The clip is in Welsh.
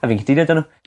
A fi'n cytuno 'da n'w.